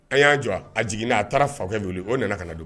A' y'a jɔ a, a jigin na, a taara fakɛ min wele, o nana kana don.